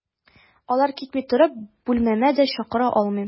Алар китми торып, бүлмәмә дә чакыра алмыйм.